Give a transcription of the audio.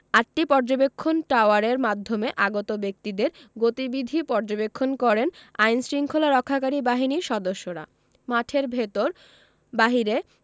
আটটি পর্যবেক্ষণ টাওয়ারের মাধ্যমে আগত ব্যক্তিদের গতিবিধি পর্যবেক্ষণ করেন আইনশৃঙ্খলা রক্ষাকারী বাহিনীর সদস্যরা মাঠের ভেতর বাইরে